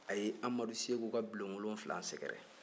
a ye amadu seku ka bulon wolonfila sɛgɛrɛ